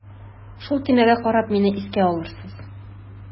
Шул төймәгә карап мине искә алырсыз.